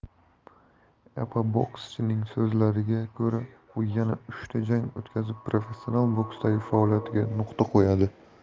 epabokschining so'zlariga ko'ra u yana uchta jang o'tkazib professional boksdagi faoliyatiga nuqta qo'yadi